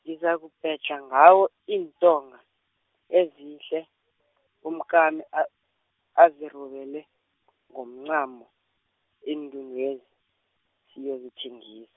ngizakubedlha ngawo iintonga, ezihle , umkami a- azirubele, ngomncamo, iindunwezi, siyozithengi-.